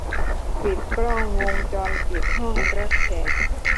ปิดกล้องวงจรปิดห้องรับแขก